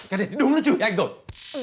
cái đấy thì đúng là chửi anh rồi